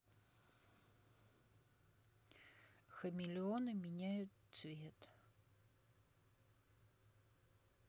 хамилионы меняют цвет